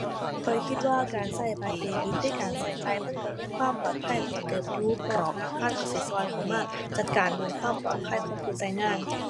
ข้อยคิดว่าการใช้บัตรเดบิตในการใช้จ่ายมันใช้มีความปลอดภัยหลายเติบอยู่ เพราะว่าธนาคารใช้สิใช้เข้ามาจัดการเรื่องความปลอดภัยของผู้ใช้งาน